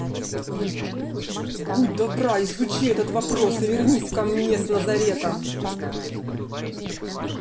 будь добра изучи этот вопрос и вернись мне ко мне с назаретом